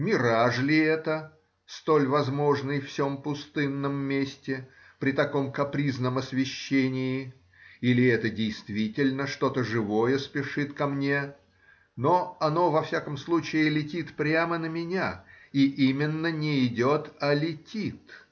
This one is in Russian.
Мираж ли это, столь возможный в сем пустынном месте, при таком капризном освещении, или это действительно что-то живое спешит ко мне, но оно во всяком случае летит прямо на меня, и именно не идет, а летит